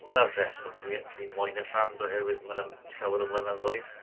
Dyna'r rheswm dwi fi moyn y trams, oherwydd mae 'na llawer o mynyddoedd.